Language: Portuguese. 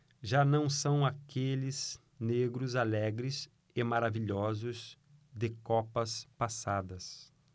já não são aqueles negros alegres e maravilhosos de copas passadas